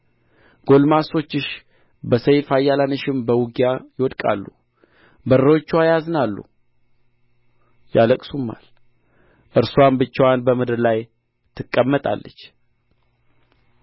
ጕልማሶችሽ በሰይፍ ኃያላንሽም በውጊያ ይወድቃሉ በሮችዋ ያዝናሉ ያለቅሱማል እርስዋም ብቻዋን በምድር ላይ ትቀመጣለች